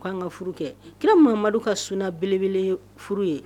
K ko' an ka furu kɛ kira mamadu ka sun belebele furu ye